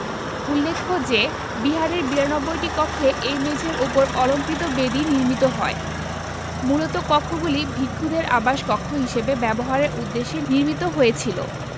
উল্লেখ্য যে বিহারের ৯২টি কক্ষে এই মেঝের উপর অলংকৃত বেদি নির্মিত হয় মূলত কক্ষগুলি ভিক্ষুদের আবাসকক্ষ হিসেবে ব্যবহারের উদ্দেশ্যে নির্মিত হয়েছিল